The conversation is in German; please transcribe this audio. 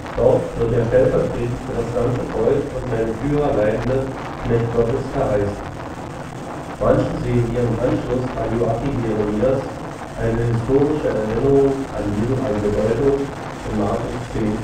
Dort wird der stellvertretend für das ganze Volk und seine Führer leidende „ Knecht Gottes “verheißen. Manche sehen hier im Anschluss an Joachim Jeremias eine historische Erinnerung an Jesu eigene Deutung in Mk 10,45